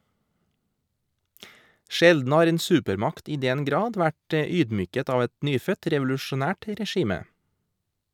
Sjelden har en supermakt i den grad vært ydmyket av et nyfødt, revolusjonært regime.